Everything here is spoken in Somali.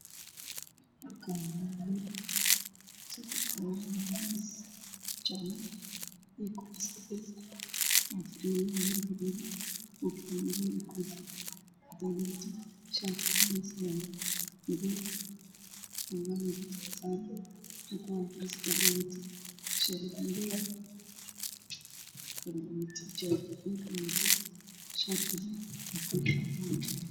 Halkaan waxaa ka muuqdo dad badan oo rag iyo dumar isku dhexjiraan waxaana ugu horeeyo oday wato shaati cadaan iyo koofiyad cadaan iyo surwaal madaw xigeen